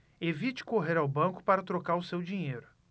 evite correr ao banco para trocar o seu dinheiro